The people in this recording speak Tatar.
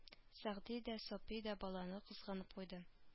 Сәгъди дә сапи да баланы кызганып куйды